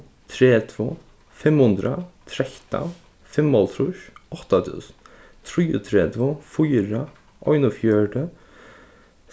tretivu fimm hundrað trettan fimmoghálvtrýss átta túsund trýogtretivu fýra einogfjøruti